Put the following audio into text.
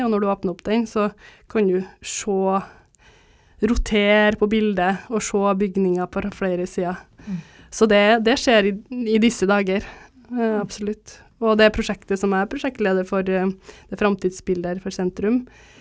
og når du åpner opp den så kan du se rotere på bildet og se bygninger flere sider så det det skjer i i disse dager absolutt og det prosjektet som jeg er prosjektleder for Framtidsbilder for sentrum,